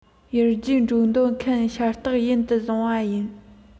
ཡར རྒྱས འགྲོ འདོད མཁན ཤ སྟག ཡིན དུ བཟོས པ ཡིན